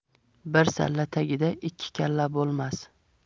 bir salla tagida ikki kalla bo'lmas